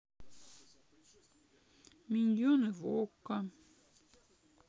миньоны в окко